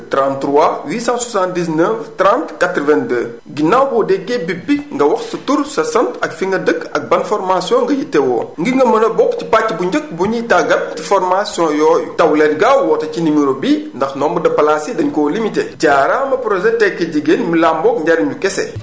33 879 30 82 ginnaaw boo déggee bip bi nga wax sa tur sa sant ak fi nga dëkk ak ban formation nga yittewoo ngir nga mën a bokk ci pàcc bu njëkk bu ñuy tàggat formation yooyu daw leen gaaw woote ci numéro bii ndax nombre de place yi dañu koo limité jaaraama projet tekki jigéen mi làmboog njarñu kese